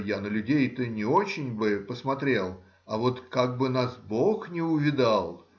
Я на людей-то не очень бы посмотрел, а вот как бы нас бог не увидал?